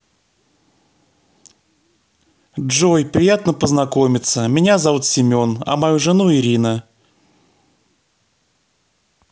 джой приятно познакомиться меня зовут семен а мою жену ирина